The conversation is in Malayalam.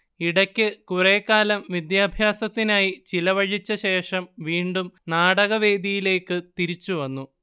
ഇടയ്ക്ക് കുറേക്കാലം വിദ്യാഭ്യാസത്തിനായി ചെലവഴിച്ചശേഷം വീണ്ടും നാടകവേദിയിലേക്ക് തിരിച്ചുവന്നു